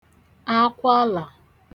akwalà